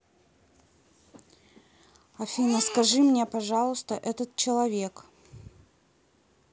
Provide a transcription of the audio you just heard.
афина скажи мне пожалуйста этот человек